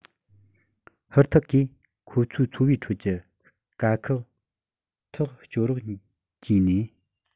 ཧུར ཐག གིས ཁོ ཚོའི འཚོ བའི ཁྲོད ཀྱི དཀའ ཁག ཐག གཅོད རོགས བགྱིས ནས